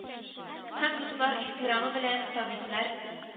Һәм дуслар ихтирамы белән табиплар